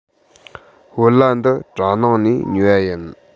བོད ལྭ འདི གྲ ནང ནས ཉོས པ ཡིན